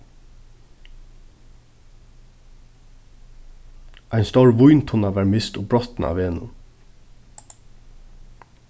ein stór víntunna varð mist og brotnað á vegnum